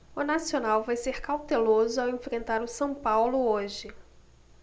o nacional vai ser cauteloso ao enfrentar o são paulo hoje